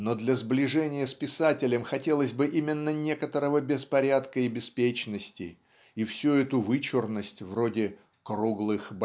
но для сближения с писателем хотелось бы именно некоторого беспорядка и беспечности и всю эту вычурность вроде "круглых